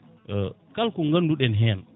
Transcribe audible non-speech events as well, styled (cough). (hesitation) kala ko ganduɗen hen